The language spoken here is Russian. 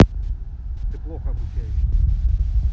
ты плохо обучаешься